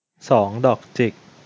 สองดอกจิก